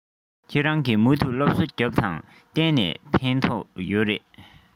ཁྱེད རང གིས མུ མཐུད སློབ གསོ རྒྱོབས དང གཏན གཏན ཕན ཐོགས ཀྱི རེད